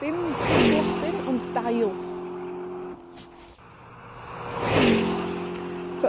dim, dim blodyn, ond dail . So,